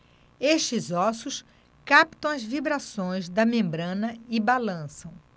estes ossos captam as vibrações da membrana e balançam